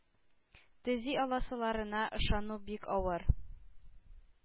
Төзи аласыларына ышану бик авыр.